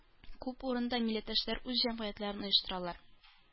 Күп урында милләттәшләр үз җәмгыятьләрен оештыралар